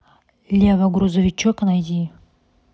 лева грузовичок найди